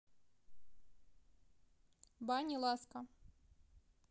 бани ласка